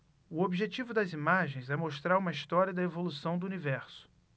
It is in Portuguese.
o objetivo das imagens é mostrar uma história da evolução do universo